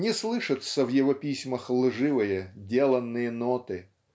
Не слышатся в его письмах лживые, деланные ноты